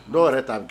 N'o yɛrɛ taa